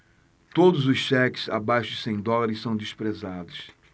todos os cheques abaixo de cem dólares são desprezados